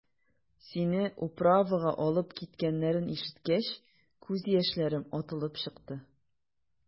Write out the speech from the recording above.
Сине «управа»га алып киткәннәрен ишеткәч, күз яшьләрем атылып чыкты.